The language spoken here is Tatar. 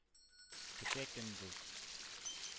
Көпә-көндез.